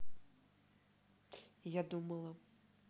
я думала